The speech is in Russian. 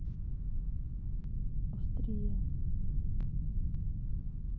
острие